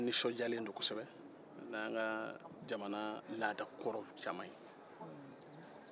an nisɔndiyalen don kosɛbɛ n'an ka jamana laada kɔrɔw caman ye